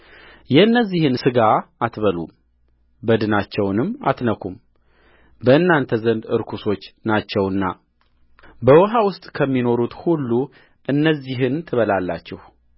የእነዚህን ሥጋ አትበሉም በድናቸውንም አትነኩም በእናንተ ዘንድ ርኩሶች ናቸውበውኃ ውስጥ ከሚኖሩት ሁሉ እነዚህን ትበላላችሁ